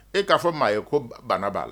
E k'a fɔ maa ye ko banna b'a la